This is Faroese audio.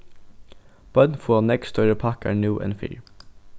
børn fáa nógv størri pakkar nú enn fyrr